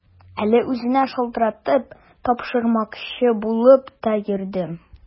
Әле үзенә шалтыратып, тапшырмакчы булып та йөрдем.